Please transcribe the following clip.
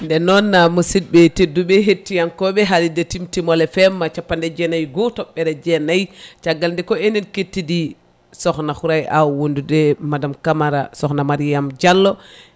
nden noon musdɓe tedduɓe hettiyankoɓe haalirde Timtimol FM capanɗe jeenayyi goho toɓɓere jeenayyi caggal nde ko enen kettidi Sokhna Houraye Aw wondude madame Camara Sokhna Mariame Diallo